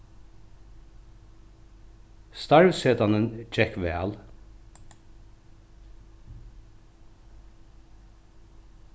starvssetanin gekk væl